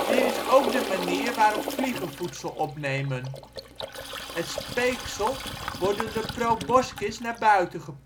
is ook de manier waarop vliegen voedsel opnemen. Het speeksel wordt door de proboscis naar buiten